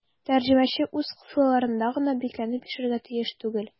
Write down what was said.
Тәрҗемәче үз кысаларында гына бикләнеп яшәргә тиеш түгел.